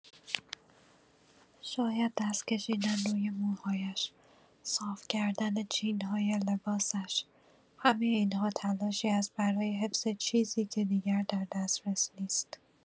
شاید دست کشیدن روی موهایش، صاف کردن چین‌های لباسش، همۀ این‌ها تلاشی است برای حفظ چیزی که دیگر در دسترس نیست.